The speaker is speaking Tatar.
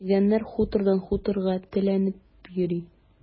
Ә чегәннәр хутордан хуторга теләнеп йөри.